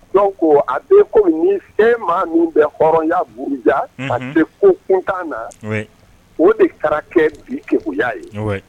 Dɔw ko a bɛ ko ni fɛn maa min bɛ hɔrɔnyaja a tɛ ko kunkan na o de kɛra kɛ bi kɛ uya ye